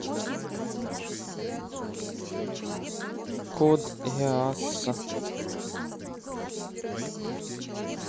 код гиасса